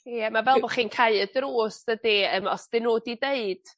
Ie ma' fel bo' chi'n cau y drws dydi yym os 'dyn n'w 'di deud